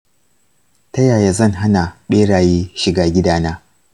ta yaya zan hana beraye shiga gidana?